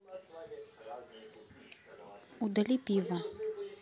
удали пиво